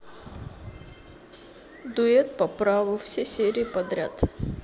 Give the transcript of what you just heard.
дуэт по праву все серии подряд